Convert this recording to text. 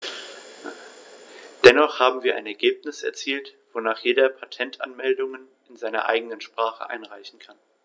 Dennoch haben wir ein Ergebnis erzielt, wonach jeder Patentanmeldungen in seiner eigenen Sprache einreichen kann.